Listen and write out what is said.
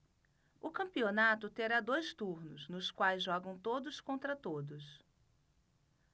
o campeonato terá dois turnos nos quais jogam todos contra todos